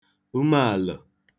ume àlə̀